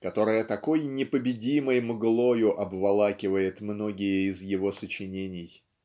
которая такой непобедимой мглою обволакивает многие из его сочинений.